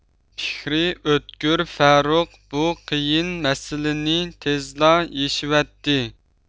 پىكرى ئۆتكۈر فەرۇق بۇ قىيىن مەسىلىنى تېزلا يېشىۋەتتى